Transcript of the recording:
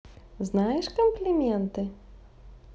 знаешь комплименты